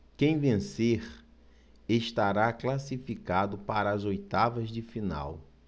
quem vencer estará classificado para as oitavas de final